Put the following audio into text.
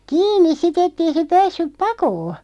kiinni sitten että ei se päässyt pakoon